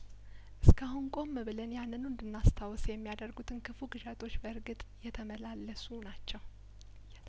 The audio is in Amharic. እስካሁን ቆም ብለን ያንኑ እንድና ስታውስ የሚያደርጉትን ክፉ ቅዠቶች በእርግጥ የተመላለሱ ናቸው የተ